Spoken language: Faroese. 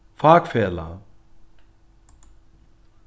fakfelag